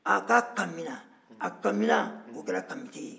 a ko k'a kaminna kaminna o kɛra kamite ye